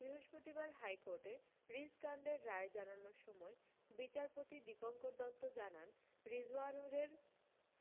বৃহস্পতিবার হাইকোর্টে রিজকাণ্ডের রায় জানানোর সময় বিচারপতি দীপঙ্কর দত্ত জানান রিজওয়ানুরের